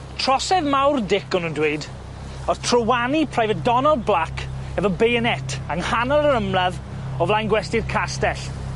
Trosedd mawr Dic, o'n nw'n dweud, o'dd trywanu private Donald Black efo bayonet yng nghanol yr ymladd o flaen gwesty'r castell.